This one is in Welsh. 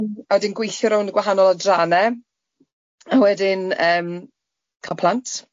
...yym a wedyn gweithio rownd gwahanol adranne, a wedyn yym cael plant ar gŵr M-hm.